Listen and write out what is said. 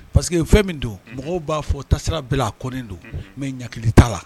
Parceseke fɛn min don mɔgɔw b'a fɔ tasira bila a kɔnnen don mɛ ya t ta la